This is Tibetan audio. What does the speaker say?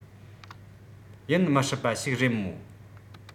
ཡིན མི སྲིད པ ཞིག རེད མོ